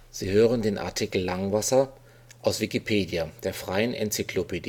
Sie hören den Artikel Langwasser, aus Wikipedia, der freien Enzyklopädie